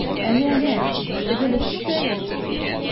Әнә-әнә, теге болыт кисәге?